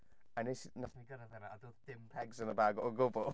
A wnes... wnaethon ni gyrraedd yna a doedd dim pegs yn y bag o gwbl.